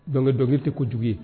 Dɔnkili dɔnkili tɛ jugu ye